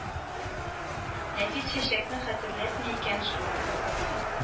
Нәфис чәчәкне хәтерләтми икән шул